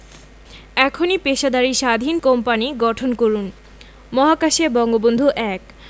এখনই পেশাদারি স্বাধীন কোম্পানি গঠন করুন মহাকাশে বঙ্গবন্ধু ১